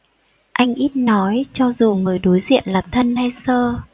anh ít nói cho dù người đối diện là thân hay sơ